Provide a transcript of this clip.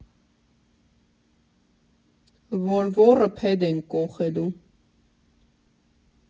Որ ոռը փեդ ենք կոոոոխեեեելուուուու։